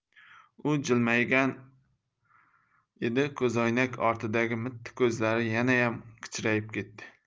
u jilmaygan edi ko'zoynak ortidagi mitti ko'zlari yanayam kichrayib ketdi